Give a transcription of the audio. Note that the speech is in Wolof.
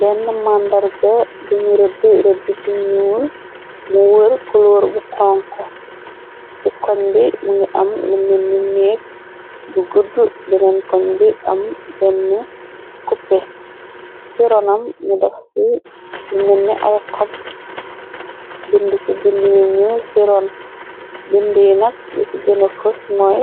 Benn màndarga biñi rëddi rëddu bi ñuul mu wër kuloor bu konko di koñ bi. Mi ngi am limenni neeg bu gudd beneen koñ bi am benn cope si ronam ni daf ci limenni ay xob bind. Ci bind yu ñuul si ron bind yi nak bi ci gëna fos mooy